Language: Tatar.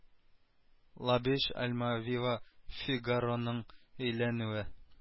Лабиш альмавива фигароның өйләнүе